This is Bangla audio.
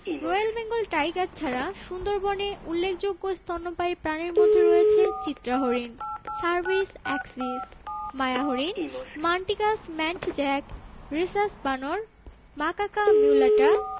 রয়েল বেঙ্গল টাইগার ছাড়া সুন্দরবনের উল্লেখযোগ্য স্তন্যপায়ী প্রাণীর মধ্যে রয়েছে চিত্রা হরিণ সারভিস এক্সিস মায়া হরিণ মান্টিকাস মান্টজ্যাক রেসাস বানর মাকাকা মিউলাটা